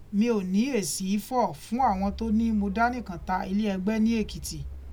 Mí ò ní èsìí fọ̀ fún àwọn tó ní mo dánìkàn ta ilẹ̀ ẹgbẹ́ ní Ekiti